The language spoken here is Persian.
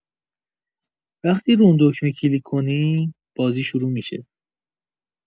وقتی رو اون دکمه کلیک کنی، بازی شروع می‌شه.